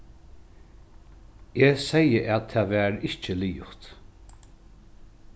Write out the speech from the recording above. eg segði at tað var ikki liðugt